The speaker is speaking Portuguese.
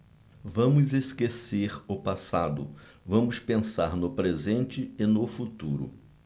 vamos esquecer o passado vamos pensar no presente e no futuro